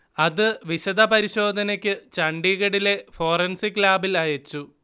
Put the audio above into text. അത് വിശദപരിശോധനയ്ക്ക് ചണ്ഡീഗഢിലെ ഫൊറൻസിക് ലാബിൽ അയച്ചു